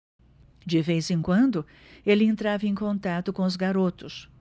de vez em quando ele entrava em contato com os garotos